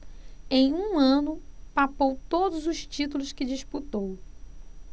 em um ano papou todos os títulos que disputou